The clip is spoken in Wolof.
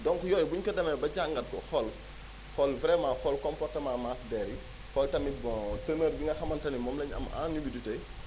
donc yooyu bu ñu ko demee ba jàngat ko xool xool vraiment xool comportement masse d' air yi xool tamit bon teneur bi nga xamante ni moom la ñu am en humidité